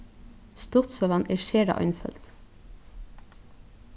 stuttsøgan er sera einføld